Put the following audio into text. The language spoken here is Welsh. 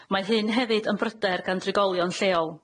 Mae hyn hefyd yn bryder gan drigolion lleol.